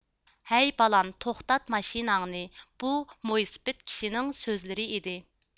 ھەي بالام توختات ماشىناڭنى بۇ مويسىپىت كىشىنىڭ سۆزلىرى ئىدى